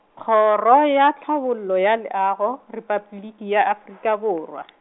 Kgoro ya Tlhabollo ya Leago, Repabliki ya Afrika Borwa.